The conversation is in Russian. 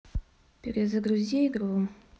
перезагрузи игру